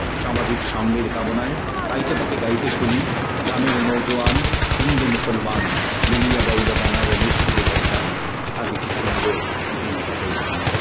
সামাজিক সাম্যের কামনায় তাইতো তাকে গাইতে শুনি গ্রামের নওজোয়ান হিন্দু মুসলমান মিলিয়া বাউলা গান আর মুর্শিদি গাইতাম আগে কি সুন্দর দিন কাটাইতাম